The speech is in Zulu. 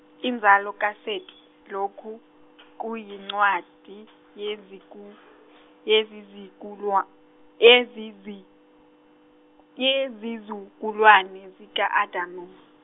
inzalo kaSeti Lokhu, kuyincwadi yezizuku- yezizukulwa- yezizi- yezizukulwane zika Adamu .